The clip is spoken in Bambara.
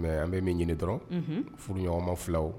Mɛ an bɛ min ɲini dɔrɔn furuɲɔgɔnma filaw